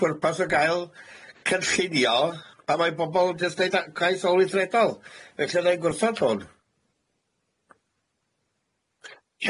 pwrpas o gael cynllunio a mae bobol jyst deud a- caetholwyr ddredal felly 'nai gwrthod hwn.